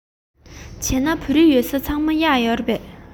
བྱས ན བོད རིགས ཡོད ས ཚང མར གཡག ཡོད རེད པས